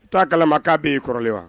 ' kalama k'a b'i kɔrɔlen wa